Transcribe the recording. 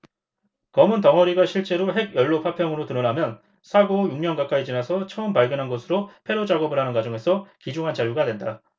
검은 덩어리가 실제로 핵연료 파편으로 드러나면 사고 후 육 년 가까이 지나서 처음 발견한 것으로 폐로작업을 하는 과정에서 귀중한 자료가 된다